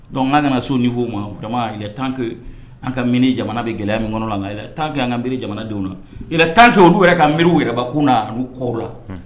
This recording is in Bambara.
Dɔnku' kana so ni f'o ma tuma tan an ka mini jamana bɛ gɛlɛya min kɔnɔ la tan an ka bere jamanadenw yɛlɛ tan kɛ u olu yɛrɛ ka nbairi yɛrɛkun na ani n'u kɔ la